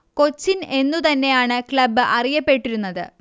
കൊച്ചിൻ എന്നു തന്നെയാണ് ക്ലബ് അറിയപ്പെട്ടിരുന്നത്